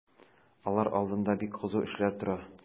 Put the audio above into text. Алар алдында бик кызу эшләр тора.